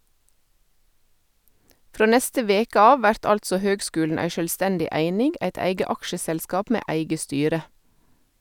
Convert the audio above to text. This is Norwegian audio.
Frå neste veke av vert altså høgskulen ei sjølvstendig eining, eit eige aksjeselskap med eige styre.